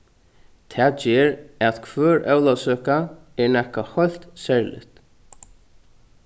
tað ger at hvør ólavsøka er nakað heilt serligt